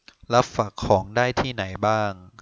รับฝากของได้ที่ไหนบ้าง